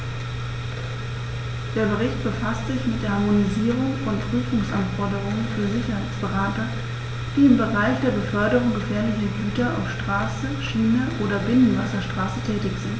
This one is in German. Der Bericht befasst sich mit der Harmonisierung von Prüfungsanforderungen für Sicherheitsberater, die im Bereich der Beförderung gefährlicher Güter auf Straße, Schiene oder Binnenwasserstraße tätig sind.